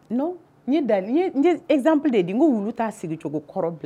Non n ye da n ye ye exemple de di. N ko wulu t'a sigicogo kɔrɔ bila.